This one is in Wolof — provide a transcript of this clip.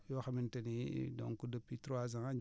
yoo xamante ni donc depuis trois ans